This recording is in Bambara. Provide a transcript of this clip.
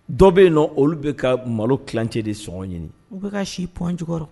Dɔw bɛ yen nɔ, olu bɛ ka malo kilancɛ de sɔngɔ ɲini . U bɛ ka si pɔn jukɔrɔ.